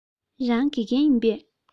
རང དགེ རྒན ཡིན པས